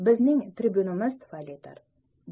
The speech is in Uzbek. bizning tribyun imiz tufaylidir